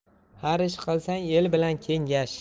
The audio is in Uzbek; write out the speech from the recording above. har ish qilsang el bilan kengash